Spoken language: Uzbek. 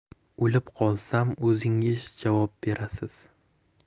o'lib qolsam o'zingiz javob berasiz